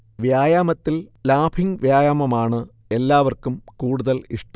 വ്യായാമത്തിൽ ലാഫിങ് വ്യായാമമാണ് എല്ലാവർക്കും കൂടുതൽ ഇഷ്ടം